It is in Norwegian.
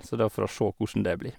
Så da får oss sjå kossen det blir.